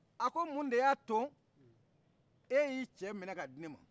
a ko mun de y'a to e y'i cɛ mina k'adi ne ma